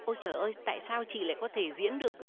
ôi trời ơi tại sao chị lại có thể diễn được